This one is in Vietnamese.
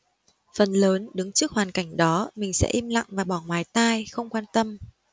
phần lớn đứng trước hoàn cảnh đó mình sẽ im lặng và bỏ ngoài tai không quan tâm